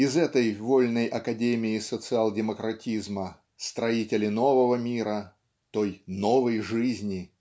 из этой вольной академии социал-демократизма строители нового мира той "новой жизни"